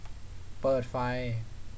เปิดไฟ